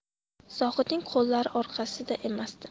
zohidning qo'llari orqasida emasdi